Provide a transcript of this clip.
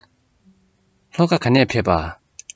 ལྷོ ཁ ག ནས ཕེབས པ